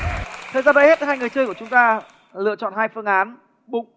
thời gian đã hết hai người chơi của chúng ta lựa chọn hai phương án bụng